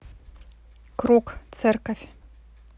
круг церковь